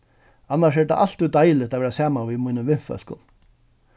annars er tað altíð deiligt at vera saman við mínum vinfólkum